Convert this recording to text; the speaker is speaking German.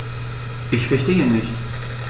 Ich verstehe nicht.